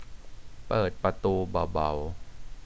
เปิดประตูเบาๆ